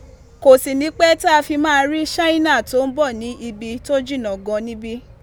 Kò sì ní pẹ́ tá a fi máa rí Ṣáínà tó ń bọ̀ ní ibi tó jìnnà gan an níbí.